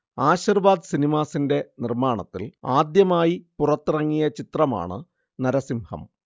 ആശീർവാദ് സിനിമാസിന്റെ നിർമ്മാണത്തിൽ ആദ്യമായി പുറത്തിറങ്ങിയ ചിത്രമാണ് നരസിംഹം